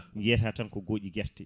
jiiyata tan ko gooƴi guerte